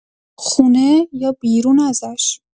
خونه یا بیرون ازش؟